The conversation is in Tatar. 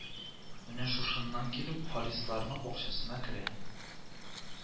Менә шушыннан килеп, Харисларның бакчасына керә